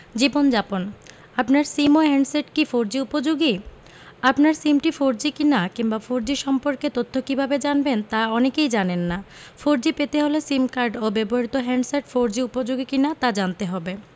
জীবনযাপন আপনার সিম ও হ্যান্ডসেট কি ফোরজি উপযোগী আপনার সিমটি ফোরজি কিনা কিংবা ফোরজি সম্পর্কে তথ্য কীভাবে জানবেন তা অনেকেই জানেন না ফোরজি পেতে হলে সিম কার্ড ও ব্যবহৃত হ্যান্ডসেট ফোরজি উপযোগী কিনা তা জানতে হবে